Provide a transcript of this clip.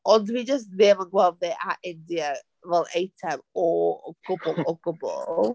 Ond fi just ddim yn gweld fe a India fel eitem o gwbl, o gwbl.